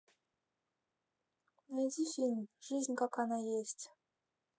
найди фильм жизнь как она есть